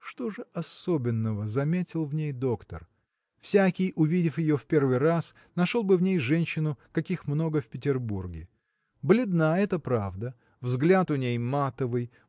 что же особенного заметил в ней доктор? Всякий увидев ее в первый раз нашел бы в ней женщину каких много в Петербурге. Бледна, это правда взгляд у ней матовый